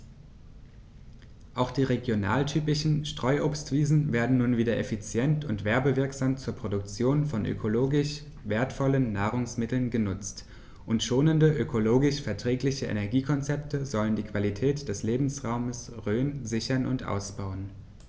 Auch die regionaltypischen Streuobstwiesen werden nun wieder effizient und werbewirksam zur Produktion von ökologisch wertvollen Nahrungsmitteln genutzt, und schonende, ökologisch verträgliche Energiekonzepte sollen die Qualität des Lebensraumes Rhön sichern und ausbauen.